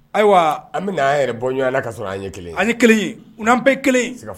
Ayiwa an bɛ yɛrɛ bɔ ɲɔgɔn ka sɔrɔ an ɲɛ an ni kelen'an bɛɛ kelen